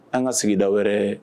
An ka sigida wɛrɛ